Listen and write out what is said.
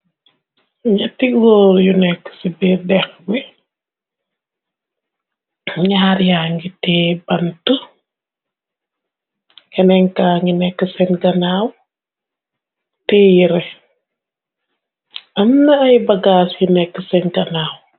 Nyate góor yu neke ci birr dex bi ñaar ya ngi tee bante kenenka ngi neke sen ganaaw téye yere amna ay bagaas yu neke sen ganaaw.